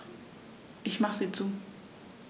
Ich mache sie zu.